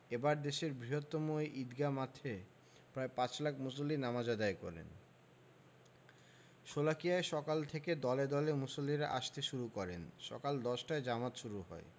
এবার দেশের বৃহত্তম এই ঈদগাহ মাঠে প্রায় পাঁচ লাখ মুসল্লি নামাজ আদায় করেন শোলাকিয়ায় সকাল থেকে দলে দলে মুসল্লিরা আসতে শুরু করেন সকাল ১০টায় জামাত শুরু হয়